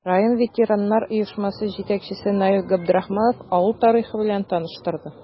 Район ветераннар оешмасы җитәкчесе Наил Габдрахманов авыл тарихы белән таныштырды.